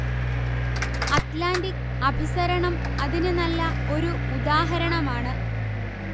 Atlantic അഭിസരണം അതിന് നല്ല ഒരു ഉദാഹരണമാണ്